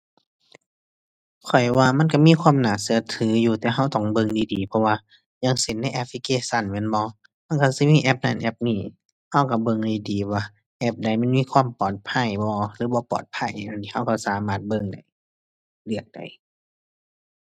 ข้อยว่ามันก็มีความก็ถืออยู่ แต่ก็ต้องเบิ่งดีดีเพราะว่า อย่างเช่นในแอปพลิเคชันแม่นบ่ มันก็สิมีแอปนั้นแอปนี้ ก็ก็เบิ่งดีดีว่าแอปใดมันมีความปลอดภัยบ่หรือบ่ปลอดภัย เดี๋ยวนี้ก็ก็สามารถเบิ่งได้ เลือกได้